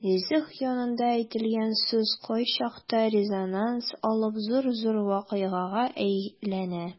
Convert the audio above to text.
Ризык янында әйтелгән сүз кайчакта резонанс алып зур-зур вакыйгага әйләнә.